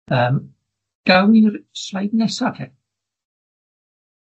Yym gawn ni'r sleid nesa te?